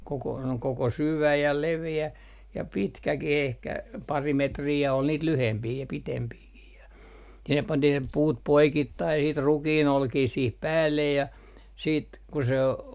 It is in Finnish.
koko koko syvä ja leveä ja pitkäkin ehkä pari metriä ja oli niitä lyhempiä ja pitempiäkin ja sinne pantiin ne puut poikittain sitten rukiinolkia siihen päälle ja sitten kun se on